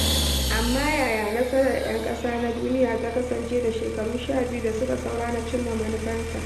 Amma yaya nasarar 'Yan Ƙasa na Duniya ta kasance da shekaru 12 da suka saura na cimma manufarta?